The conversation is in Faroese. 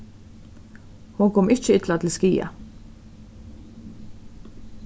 hon kom ikki illa til skaða